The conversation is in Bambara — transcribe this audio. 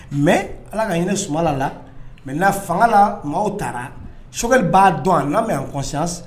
Mɛ ala ka hinɛ su la mɛ n' fanga la maaw taara soli b'a dɔn' mɛ